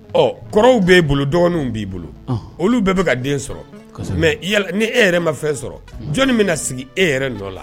Ɔ kɔrɔw b' bolo dɔgɔninw b'i bolo olu bɛɛ bɛka ka den sɔrɔ mɛ ni e yɛrɛ ma fɛn sɔrɔ jɔnni bɛna na sigi e yɛrɛ nɔ la